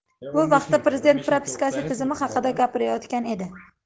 bu vaqtda prezident propiska tizimi haqida gapirayotgan edi